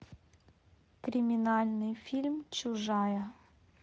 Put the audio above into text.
криминальный фильм чужая